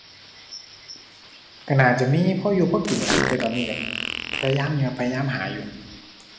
ก็น่าจะมีพออยู่พอกินล่ะครับ แต่ตอนนี้ก็พยายามอยู่ครับ พยายามหาอยู่